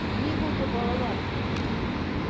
Ни булды, балалар?